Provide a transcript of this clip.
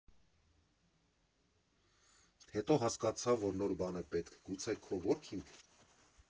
Հետո հասկացավ, որ նոր բան է պետք՝ գուցե քո֊վորքի՞նգ։